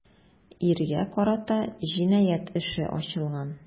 Иргә карата җинаять эше ачылган.